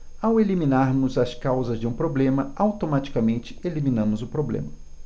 ao eliminarmos as causas de um problema automaticamente eliminamos o problema